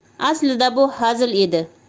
aslida bu hazil edi